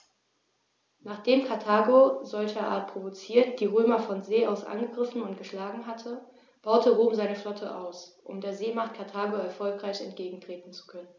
Nachdem Karthago, solcherart provoziert, die Römer von See aus angegriffen und geschlagen hatte, baute Rom seine Flotte aus, um der Seemacht Karthago erfolgreich entgegentreten zu können.